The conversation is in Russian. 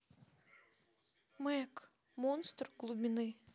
мег монстр глубины